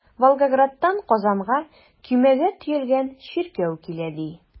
Волгоградтан Казанга көймәгә төялгән чиркәү килә, ди.